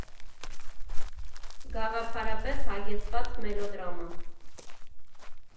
Գաղափարապես հագեցված մելոդրամա։